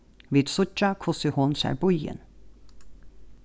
vit síggja hvussu hon sær býin